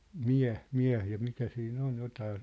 mie mie ja mitä siinä on jotakin